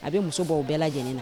A bɛ muso baw bɛɛ lajɛlen na